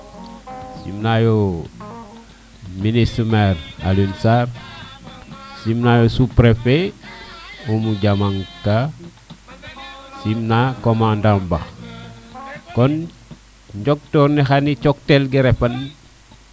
sim nayo ministre maire Aliou sarr sim nayo sous prefet Oumy Diamanka simna commandant Ba kon njoktoor ne xani coktel gerefal